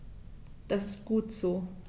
Das ist gut so.